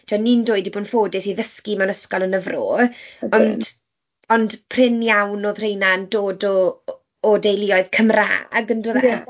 Tibod, 'y ni'n dwy 'di bod yn ffodus i ddysgu mewn ysgol yn Y Fro... ydyn. ...ond ond prin iawn oedd rheina'n dod o o deuluoedd Cymraeg yndyfe... ie.